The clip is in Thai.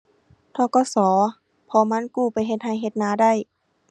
ธ.ก.ส. เพราะมันกู้ไปเฮ็ดไร่ เฮ็ดนาได้